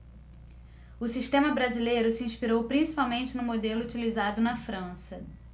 o sistema brasileiro se inspirou principalmente no modelo utilizado na frança